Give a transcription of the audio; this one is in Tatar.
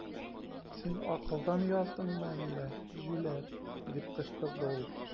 Син акылдан яздыңмы әллә, юләр! - дип кычкырды ул.